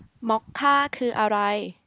มอคค่าคืออะไร